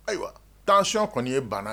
Ayiwa taasi kɔni ye banna